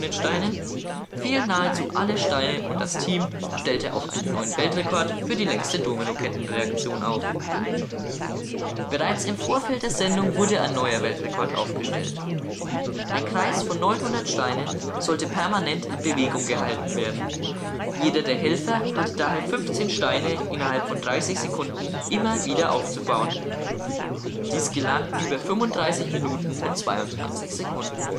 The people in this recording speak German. Steinen fielen nahezu alle Steine und das Team stellte auch einen neuen Weltrekord für die längste Domino-Kettenreaktion auf. Bereits im Vorfeld der Sendung wurde ein neuer Weltrekord aufgestellt: Ein Kreis von neunhundert Steinen sollte permanent in Bewegung gehalten werden. Jeder der Helfer hatte daher fünfzehn Steine innerhalb von dreißig Sekunden immer wieder aufzubauen. Dies gelang über 35 Minuten und 22 Sekunden